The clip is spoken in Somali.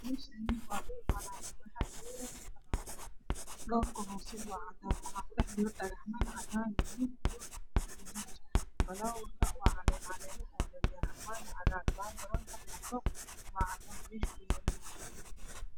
Meeshaan waa dhul banaan ah waxaa yaalo falaawar koobka hoose waa cadaan waxaa kudhex jiro dhagaxman cadaan iyo gaduud ah. Falaawar waa caleemo yaryar ah waana cagaar. Baagaroonkiisa waa cadaan meesha uu yaalana waa cadaan.